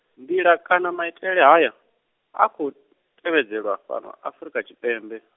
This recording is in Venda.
nḓila kana maitele haya, a khou, tevhedzelwa fhano Afurika Tshipembe.